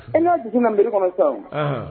E n’i y'a jate minɛn _mairie kɔnɔ sisan o,Ɔnhɔn.